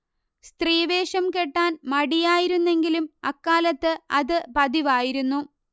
സ്ത്രീവേഷം കെട്ടാൻ മടിയായിരുന്നെങ്കിലും അക്കാലത്ത് അതു പതിവായിരുന്നു